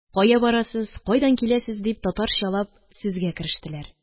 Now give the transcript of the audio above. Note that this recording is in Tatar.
«кая барасыз? кайдан киләсез?» – дип, татарчалап сүзгә керештеләр.